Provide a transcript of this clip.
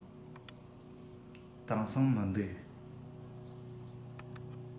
དེང སང མི འདུག